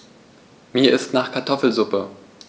Mir ist nach Kartoffelsuppe.